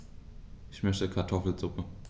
Ich möchte Kartoffelsuppe.